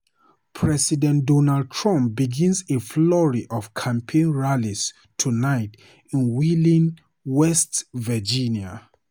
President Donald Trump begins a flurry of campaign rallies tonight in Wheeling, West Virginia.